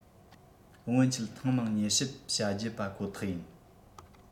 སྔོན ཆད ཐེངས མང མྱུལ ཞིབ བྱ རྒྱུ པ ཁོ ཐག ཡིན